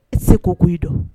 Se ko ko i dɔn